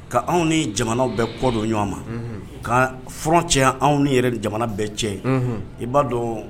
Ka anw ni jamana bɛɛ kɔdon ɲɔgɔn ma ka f cɛ anw ni yɛrɛ ni jamana bɛɛ cɛ ye i b'a dɔn